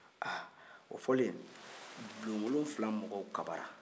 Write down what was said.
ha o fɔlen bulon wolowula mɔgɔw kabara